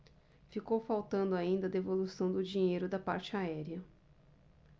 ficou faltando ainda a devolução do dinheiro da parte aérea